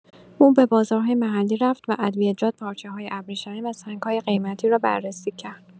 او به بازارهای محلی رفت و ادویه‌جات، پارچه‌های ابریشمی و سنگ‌های قیمتی را بررسی کرد.